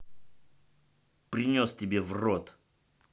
принес тебе в рот